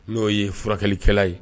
N'o ye furakɛlikɛla ye